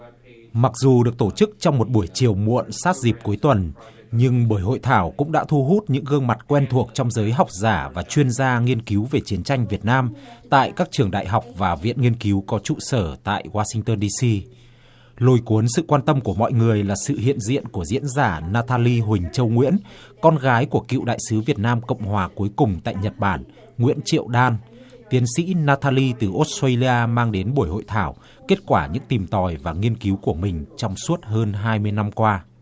mặc dù được tổ chức trong một buổi chiều muộn sát dịp cuối tuần nhưng buổi hội thảo cũng đã thu hút những gương mặt quen thuộc trong giới học giả và chuyên gia nghiên cứu về chiến tranh việt nam tại các trường đại học và viện nghiên cứu có trụ sở tại oa sinh tơn đi si lôi cuốn sự quan tâm của mọi người là sự hiện diện của diễn giả na tha li huỳnh châu nguyễn con gái của cựu đại sứ việt nam cộng hòa cuối cùng tại nhật bản nguyễn triệu đan tiến sĩ na tha li từ ốt truây li a mang đến buổi hội thảo kết quả những tìm tòi và nghiên cứu của mình trong suốt hơn hai mươi năm qua